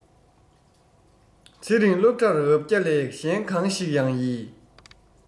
ཚེ རིང སློབ གྲྭར འབ བརྒྱ ལས གཞན གང ཞིག ཡང ཡི